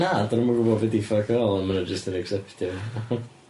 Na, 'dan nhw'm yn gwbod be' 'di fuck all on' ma' nw jyst yn acseptio fe .